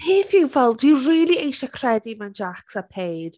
Peth yw, fel, dwi rili eisiau credu mewn Jaques a Paige.